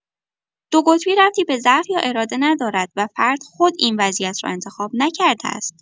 دوقطبی ربطی به ضعف یا اراده ندارد و فرد خود این وضعیت را انتخاب نکرده است.